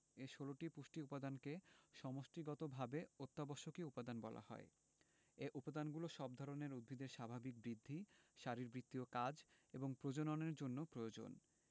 এ ১৬টি পুষ্টি উপাদানকে সমষ্টিগতভাবে অত্যাবশ্যকীয় উপাদান বলা হয় এই উপাদানগুলো সব ধরনের উদ্ভিদের স্বাভাবিক বৃদ্ধি শারীরবৃত্তীয় কাজ এবং প্রজননের জন্য প্রয়োজন